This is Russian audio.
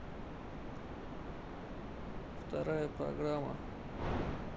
вторая программа